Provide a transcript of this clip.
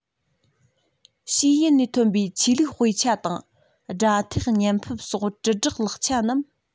ཕྱིའི ཡུལ ནས ཐོན པའི ཆོས ལུགས དཔེ ཆ དང སྒྲ ཐེག བརྙན ཕབ སོགས དྲིལ བསྒྲགས ལག ཆ རྣམས